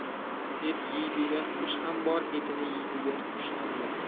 et yeydigan qush ham bor etini yeydigan qush ham bor